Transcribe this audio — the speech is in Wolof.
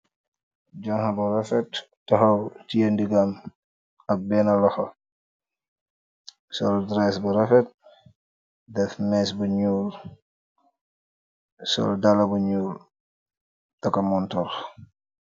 Janha bu rafet takhaw tiyeh ndigam, ak bena lokho, sol dress bu rafet, deff meeche bu njull, sol daalah bu njull, takah montorre.